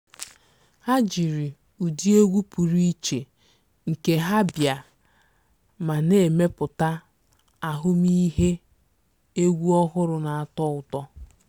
Ha jiri ụdị egwu pụrụ iche nke ha bịa ma na-emepụta ahụmịhe egwu ọhụrụ na-atọ ụtọ.